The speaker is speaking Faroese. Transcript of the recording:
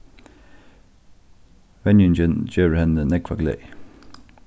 venjingin gevur henni nógva gleði